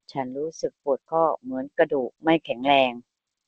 ฉันรู้สึกปวดข้อเหมือนกระดูกไม่แข็งแรง